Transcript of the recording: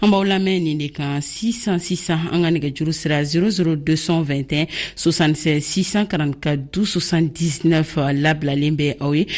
an bɛ aw lamɛnni de kan sisansisan an ka nɛgɛjuru sira 00221 76 644 12 79 labilalen bɛ aw ye